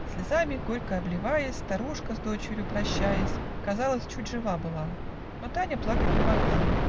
Слезами горько обливаясь, Старушка, с дочерью прощаясь, Казалось, чуть жива была, Но Таня плакать не могла